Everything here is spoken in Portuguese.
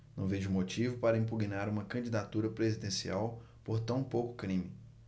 não vejo motivo para impugnar uma candidatura presidencial por tão pouco crime